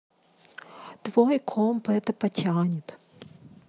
твой комп это потянет